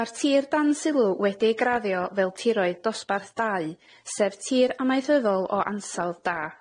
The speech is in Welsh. Ma'r tir dan sylw wedi'i graddio fel tiroedd dosbarth dau, sef tir amaethyddol o ansawdd da.